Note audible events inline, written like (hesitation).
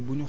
(hesitation) (hesitation)